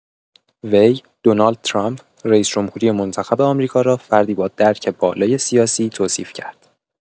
وی، دونالد ترامپ، رئیس‌جمهوری منتخب آمریکا را فردی با «درک بالای سیاسی» توصیف کرد.